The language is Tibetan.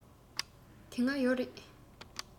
དེ སྔ ཡོད རེད